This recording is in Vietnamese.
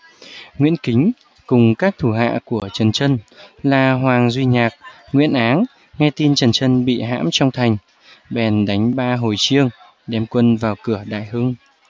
nguyễn kính cùng các thủ hạ của trần chân là hoàng duy nhạc nguyễn áng nghe tin trần chân bị hãm trong thành bèn đánh ba hồi chiêng đem quân vào cửa đại hưng